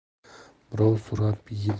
birov so'rab yeydi